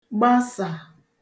gbasà